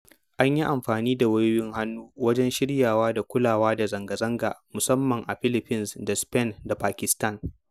An yi amfani da wayoyin hannu wajen shiryawa da kula da zangazanga, musamman a Philphines da Spain da Pakistan.